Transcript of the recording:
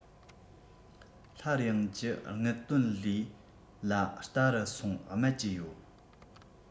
སླར ཡང ཀྱི དངུལ བཏོན ནས ལ བལྟ རུ སོང སྨད ཀྱི ཡོད